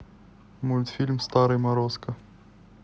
мультфильм старый морозко